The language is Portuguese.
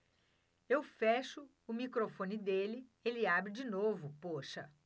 eu fecho o microfone dele ele abre de novo poxa